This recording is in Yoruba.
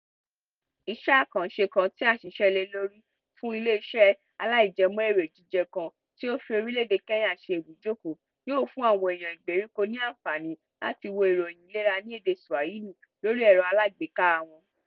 Iṣẹ́ àkànṣe kan tí à ń ṣiṣẹ́ lè lórí fún ilé iṣẹ́ aláìjẹmọ́ èrè jíjẹ kan tí ó fi orílè-èdè Kenya ṣe ibùjókòó yóò fún àwọn èèyàn ìgbèríko ní àǹfààní láti wo ìròyìn ìlera ní èdè Swahili lórí ẹ̀rọ alágbèéká wọn.